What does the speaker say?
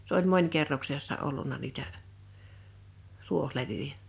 se oli monikerroksessa ollut niitä tuohilevyjä